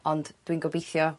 Ond dwi'n gobeithio